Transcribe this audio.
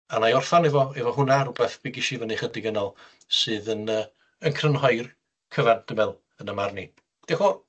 A wnai orffan efo efo hwnna, rwbeth bigesh i fyny chydig yn ôl sydd yn yy yn crynhoi'r cyfan, dwi'n me'wl, yn y marn i. Diolch y' fow'